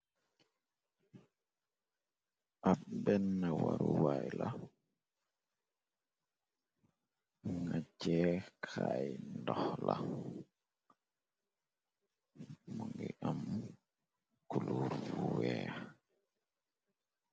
Ab benna waru waay la nga cee xaay ndox la mongi am kuluur yu weex.